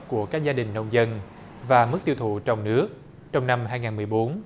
của các gia đình nông dân và mức tiêu thụ trong nước trong năm hai ngàn mười bốn